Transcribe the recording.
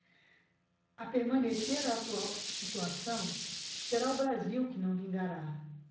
a permanecer a atual situação será o brasil que não vingará